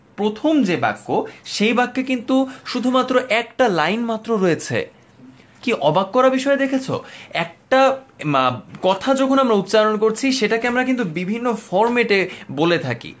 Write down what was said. প্রথম যে বাক্য ডাকে কিন্তু একটা লাইন মাত্র রয়েছে অবাক করা বিষয় দেখেছো একটা কথা যখন আমরা উচ্চারণ করছি সেটাকে আমরা কিন্তু বিভিন্ন ফরম্যাটে বলে থাকি